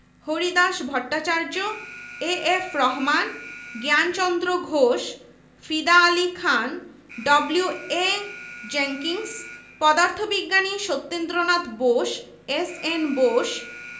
সফল নেতৃত্ব দিয়ে জাতীয় প্রত্যাশা পূরণে অগ্রণী ভূমিকা পালন করেছে ভাষা আন্দোলন উনসত্তুরের গণঅভ্যুত্থান